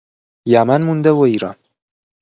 یمن مونده و ایران